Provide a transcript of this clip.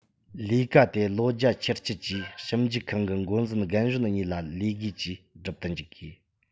ལས ཀ དེ བློ རྒྱ ཆེར བསྐྱེད ཀྱིས ཞིབ འཇུག ཁང གི འགོ འཛིན རྒན གཞོན གཉིས ལ ལས བགོས ཀྱིས སྒྲུབ ཏུ འཇུག དགོས